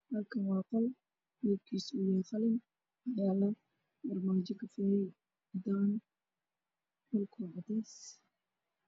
Halkan waa qol midabkiisii yahay qalin waxaana yeelo armajo koofee dhulka waa cadde